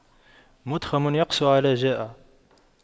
مُتْخَمٌ يقسو على جائع